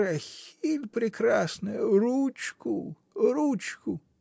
Рахиль прекрасная, ручку, ручку.